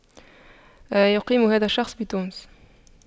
يقيم هذا الشخص بتونس